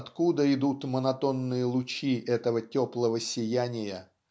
откуда идут монотонные лучи этого теплого сияния